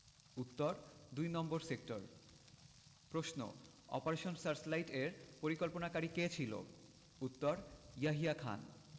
উত্তর দুই নম্বর সেক্টর প্রশ্ন অপারেশন সার্চলাইটের পরিকল্পনাকারী কে ছিল উত্তর ইয়াহিয়া খান